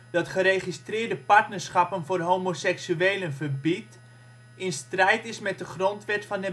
dat geregistreerde partnerschappen voor homoseksuelen verbiedt, in strijd is met de grondwet van